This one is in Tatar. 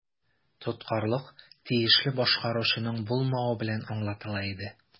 Тоткарлык тиешле башкаручының булмавы белән аңлатыла иде.